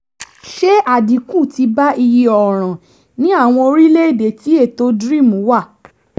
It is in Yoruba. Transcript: Ṣe àdínkù ti bá iye ọ̀ràn ní àwọn orílẹ̀-èdè tí ètò DREAM wà?